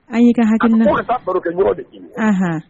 An y'i ka hakilina .